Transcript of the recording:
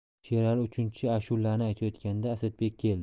sherali uchinchi ashulani aytayotganda asadbek keldi